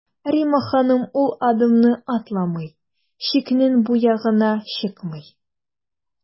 Римма ханым ул адымны атламый, чикнең бу ягына чыкмый.